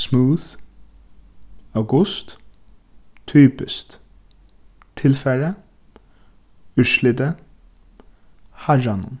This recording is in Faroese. smooth august typiskt tilfarið úrslitið harranum